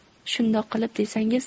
shundoq qilib desangiz